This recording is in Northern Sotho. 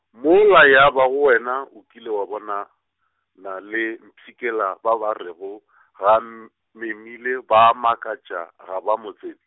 mola ya bago wena o kile wa bona, na le mpshikela ba ba rego, ga m-, memile ba a makatša ga ba mo tsebe.